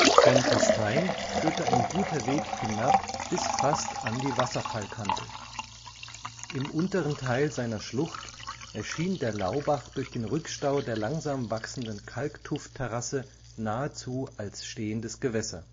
Von Kastein führte ein guter Weg hinab bis fast an die Wasserfallkante. Im unteren Teil seiner Schlucht erschien der Laubach durch den Rückstau der langsam wachsenden Kalktuff-Terrasse nahezu als stehendes Gewässer